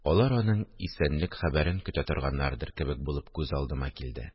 Алар аның исәнлек хәбәрен көтә торганнардыр кебек булып күз алдыма килде